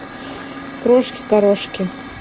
крошки корошки